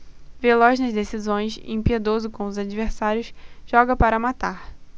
veloz nas decisões impiedoso com os adversários joga para matar